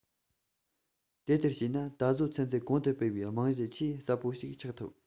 དེ ལྟར བྱས ན ད གཟོད ཚན རྩལ གོང དུ སྤེལ བའི རྨང གཞི ཆེས ཟབ པོ ཞིག ཆགས ཐུབ